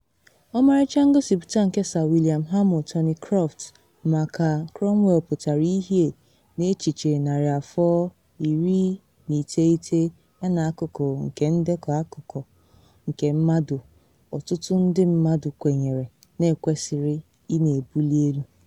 Ọmarịcha ngosipụta nke Sir William Hamo Thorneycroft maka Cromwell pụtara ihie n’echiche narị afọ 19 yana akụkụ nke ndekọ akụkọ nke mmadụ ọtụtụ ndị mmadụ kwenyere na ekwesịrị ị na ebuli elu.